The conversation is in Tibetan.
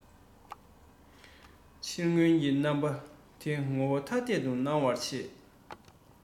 ཕྱིར མངོན གྱི རྣམ པ ངོ བོ ཐ དད དུ སྣང བར བྱེད